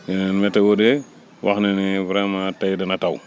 ne leen météo de wax na ne vraiment tey dana taw